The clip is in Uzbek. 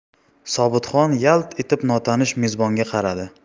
sobitxon yalt etib notanish mezbonga qaradi